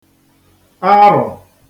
arọ̀